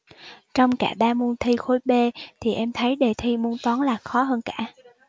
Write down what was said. trong cả ba môn thi khối b thì em thấy đề thi môn toán là khó hơn cả